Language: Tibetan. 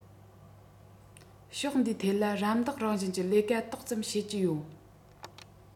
ཕྱོགས འདིའི ཐད ལ རམ འདེགས རང བཞིན གྱི ལས ཀ ཏོག ཙམ བྱེད ཀྱི ཡོད